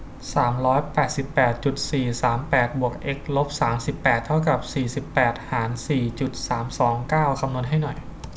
สามร้อยแปดสิบแปดจุดสี่สามแปดบวกเอ็กซ์ลบสามสิบแปดเท่ากับสี่สิบแปดหารสี่จุดสามสองเก้าคำนวณให้หน่อย